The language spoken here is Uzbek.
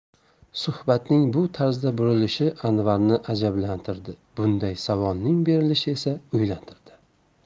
suhbatning bu tarzda burilishi anvarni ajablantirdi bunday savolning berilishi esa o'ylantirdi